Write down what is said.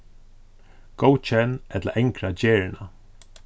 góðkenn ella angra gerðina